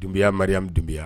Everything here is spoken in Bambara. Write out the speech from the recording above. Dunbiya mari dunya